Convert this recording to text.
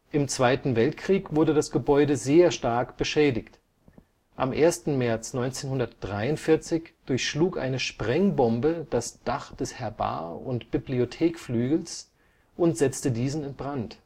Im Zweiten Weltkrieg wurde das Gebäude sehr stark beschädigt. Am 1. März 1943 durchschlug eine Sprengbombe das Dach des Herbar - und Bibliothekflügels und setzte diesen in Brand